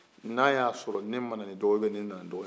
n'a y'a sɔrɔ ne ma na ni dɔgɔ ye u biyɛn ni ne nana ni dɔgɔ ye